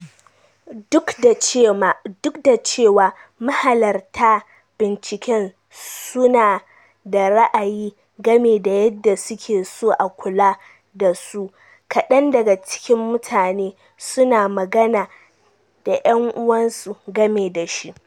Duk da cewa mahalarta binciken su na da ra'ayi game da yadda suke so a kula da su, kadan daga cikin mutane su na magana da' yan uwansu game da shi.